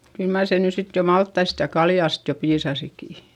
kyllä mar se nyt sitten jo maltaista ja kaljasta jo piisasikin